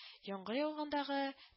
Яңгыр яугандагы